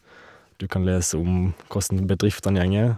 Du kan lese om kossen bedriftene gjenge.